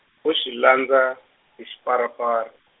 vo xi landza, hi xiparapara.